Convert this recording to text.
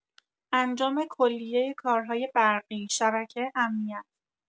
انجام کلیه کارهای برقی، شبکه، امنیت